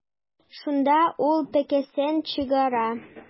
Шунда ул пәкесен чыгара.